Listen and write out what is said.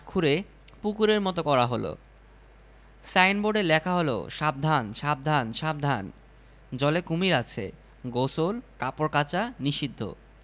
খুঁড়ে পুকুরের মৃত করা হল সাইনবোর্ডে লেখা হল সাবধান সাবধান সাবধান জলে কুমীর আছে গোসল কাপড় কাচা নিষিদ্ধ